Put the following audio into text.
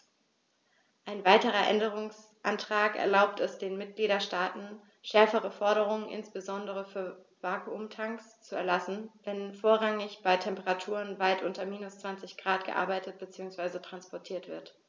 Ein weiterer Änderungsantrag erlaubt es den Mitgliedstaaten, schärfere Forderungen, insbesondere für Vakuumtanks, zu erlassen, wenn vorrangig bei Temperaturen weit unter minus 20º C gearbeitet bzw. transportiert wird.